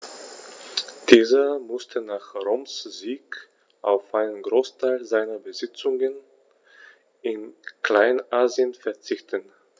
Dieser musste nach Roms Sieg auf einen Großteil seiner Besitzungen in Kleinasien verzichten.